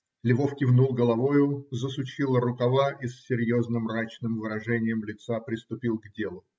Львов кивнул головою, засучил рукава и с серьезно-мрачным выражением лица приступил к делу.